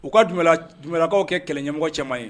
U ka Dunbiyala, Dunbialakaw kɛ kɛlɛ ɲɛmɔgɔ caman ye